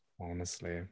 Honestly.